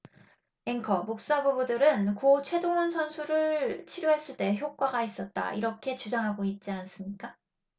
앵커 목사 부부들은 고 최동원 선수를 치료했을 때 효과가 있었다 이렇게 주장하고 있지 않습니까